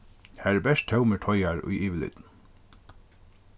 har eru bert tómir teigar í yvirlitinum